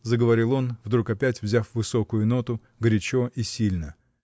— заговорил он, вдруг опять взяв высокую ноту, горячо и сильно.